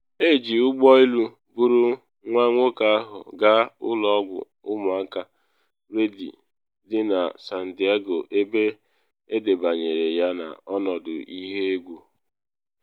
Eji ụgbọ elu buru nwa nwoke ahụ gaa Ụlọ Ọgwụ Ụmụaka Rady dị na San Diego ebe edebanyere ya n’ọnọdụ ihe egwu.